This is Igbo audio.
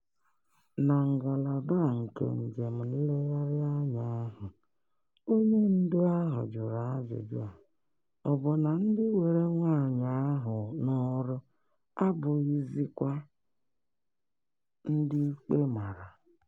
Na ngalaba a nke njem nlegharị anya ahụ, onye ndu ahụ jụrụ ajụjụ a: ọ bụ na ndị were nwaanyị ahụ n'ọrụ abụghịkwazị ndị ikpe mara?